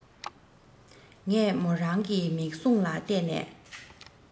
ངས མོ རང གི མིག གཟུངས ལ ལྟས ནས